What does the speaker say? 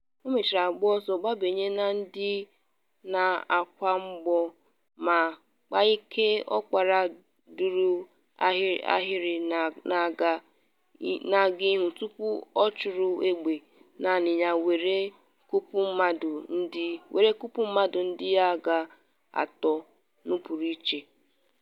Ọ mechara gbara ọsọ gbabanye na ndị na-akwa mgbọ ma “kpaa ike ọkpara” duru ahịrị na-aga ihu tupu ọ chụrụ egbe naanị ya were kụpụ mmadụ ndị agha atọ nọpụrụ iche.